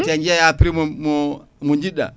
te jeeya prix mo mo jiɗɗa